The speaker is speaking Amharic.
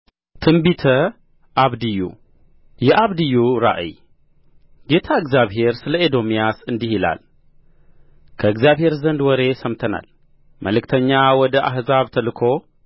ትንቢተ አብድዩ ምዕራፍ አንድ የአብድዩ ራእይ ጌታ እግዚአብሔር ስለ ኤዶምያስ እንዲህ ይላል ከእግዚአብሔር ዘንድ ወሬ ሰምተናል መልእክተኛ ወደ አሕዛብ ተልኮ